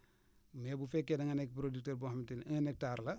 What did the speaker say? mais bu fekkee da nga nekk producteur boo xamante ni un hectare la